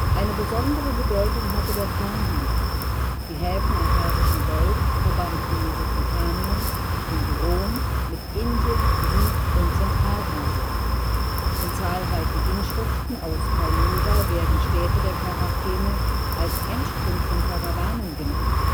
Eine besondere Bedeutung hatte der Fernhandel. Die Häfen am Persischen Golf verbanden Mesopotamien und Rom mit Indien, Süd - und Zentralasien. In zahlreichen Inschriften aus Palmyra werden Städte der Charakene als Endpunkt von Karawanen genannt